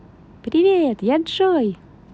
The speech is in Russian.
привет я джой